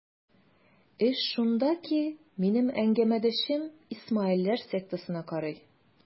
Эш шунда ки, минем әңгәмәдәшем исмаилләр сектасына карый.